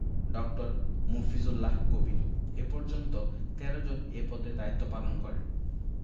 ড. মফিজুল্লাহ কবির এ পর্যন্ত ১৩ জন এ পদে দায়িত্বপালন করেন